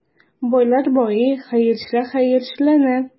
Байлар байый, хәерчеләр хәерчеләнә.